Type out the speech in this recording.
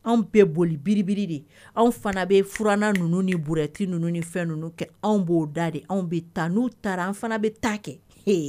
Anw bɛɛ boli biribiri de anw fana bɛ furannan ninnu ni brouette ninnu ni fɛn ninnu kɛ anw b'o da de anw bɛ taa n'u taara an fana bɛ taa kɛ